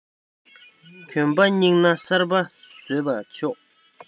གྱོན པ རྙིངས ན གསར པ བཟོས པས ཆོག